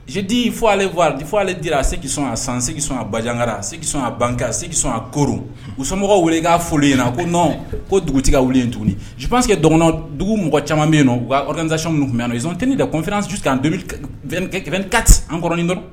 Di fɔalewa fɔ ale dira a sɔn a sanse sɔn a bajangara sɔn a bankase sɔn a ko usɔmɔgɔw wele i k'a foli yen na a ko nɔn ko dugutigi ka wele yen tuguni sike dɔgɔn dugu mɔgɔ caman bɛ yen nasi minnu tun bɛ na yensonon tɛini de da kɔnfina susi kati anin dɔrɔn